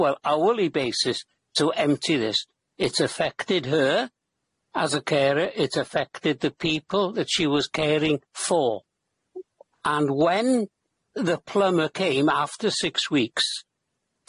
well hourly basis to empty this it affected her, as a carer, it affected the people that she was caring for, and when the plumber came after six weeks,